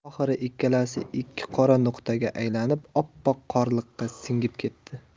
oxiri ikkalasi ikkita qora nuqtaga aylanib oppoq qorliqqa singib ketdi